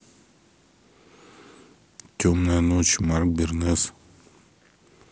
темная ночь марк бернес